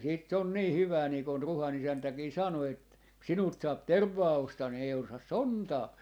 ja sitten se on niin hyvää niin kun Ruhan isäntäkin sanoi että kun sinulta saa tervaa ostaa niin ei osta sontaa